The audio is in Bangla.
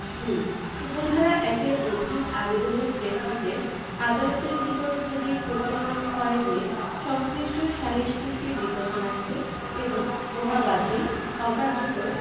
২ উপ ধারা ১ এর অধীন আবেদনের প্রেক্ষিতে আদালতের নিকট যদি প্রতীয়মান হয় যে সংশ্লিষ্ট সালিস চুক্তি বিদ্যমান আছে এবং উহা বাতিল অকার্যকর